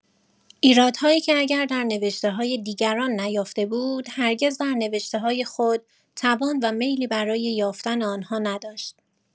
ایرادهایی که اگر در نوشته‌های دیگران نیافته بود، هرگز در نوشته‌های خود توان و میلی برای یافتن آن‌ها نداشت!